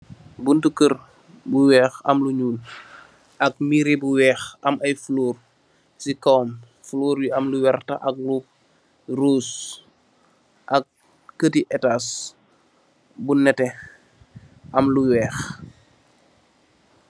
Buntu keur, bu weekh am lu nyuul, ak miiri bu weekh am aye fuloor si kawam, fuloori am lu werta ak lu ruus, ak keuti etaas bu neteh, am lu weekh.